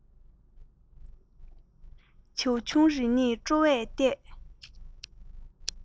བྱེའུ ཆུང རེ གཉིས སྤྲོ བས བརྟས